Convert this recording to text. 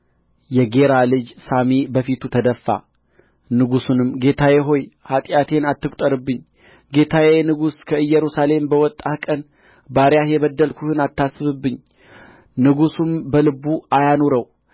የጌራ ልጅ ሳሚ በፊቱ ተደፋ ንጉሡንም ጌታዬ ሆይ ኃጢአቴን አትቍጠርብኝ ጌታዬ ንጉሡ ከኢየሩሳሌም በወጣህ ቀን ባሪያህ የበደልሁህን አታስብብኝ ንጉሡም በልቡ አያኑረው